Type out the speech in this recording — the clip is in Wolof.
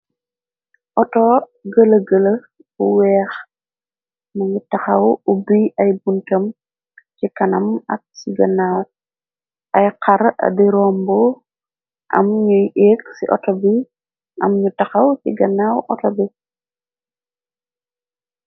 Auto gëla-gëla bu weex nañu taxaw ubbi ay buntam ci kanam ak si gannaar ay xar adirombo am ñuy éeg ci auto bi am ñu taxaw ci gannaaw outo bi.